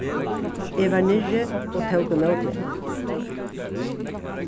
eg var niðri og tók ímóti henni